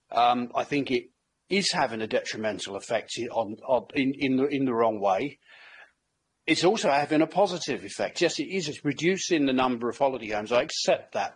Um I think it is having a detrimental effect here on odd in in the in the wrong way, it's also having a positive effect yes it is it's reducing the number of holiday homes I accept that,